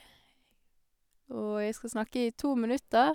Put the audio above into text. Og jeg skal snakke i to minutter.